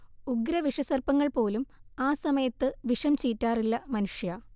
ഉഗ്രവിഷസർപ്പങ്ങൾ പോലും ആ സമയത്ത് വിഷം ചീറ്റാറില്ല മനുഷ്യാ